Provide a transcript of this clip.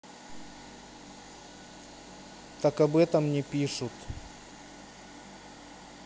там об этом не пишут